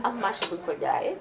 am marhé bu ñu ko jaayee